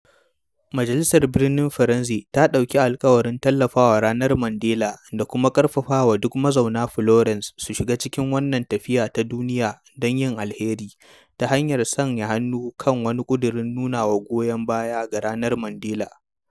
Majalisar Birnin Firenze ta ɗauki alƙawarin tallafawa Ranar Mandela da kuma ƙarfafawa duk mazauna Florence su shiga cikin wannan tafiya ta duniya don yin alheri, ta hanyar sanya hannu kan wani ƙuduri mai nuna goyon baya ga Ranar Mandela.